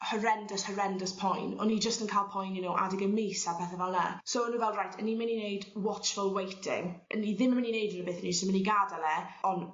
horrendous horrendous poen o'n i jyst yn ca'l poen you know adeg y mis a pethe fel 'e. So o'n'w fel reit 'yn ni myn' i neud watchful waiting 'yn ni ddim yn myn' i ' neud unrywbeth ni jys yn myn' i gadel e on'